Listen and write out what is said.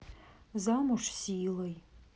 замуж силой